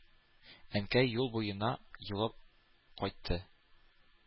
Әнкәй юл буена елап кайтты...